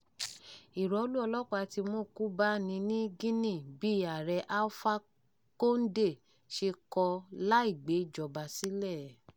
Ìrọ́lù ọlọ́pàá tí í mú ikú bá ni ní Guinea bí Ààrẹ Alpha Condé ṣe kọ̀ láì gbé' jọba sílẹ̀